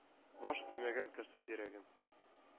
Баш имәгән керсез йөрәгем.